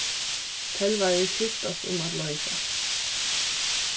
telvarar skiftast um at leika